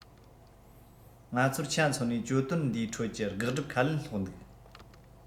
ང ཚོར ཆ མཚོན ནས གྱོད དོན འདིའི ཁྲོད ཀྱི དགག སྒྲུབ ཁ ལན སློག འདུག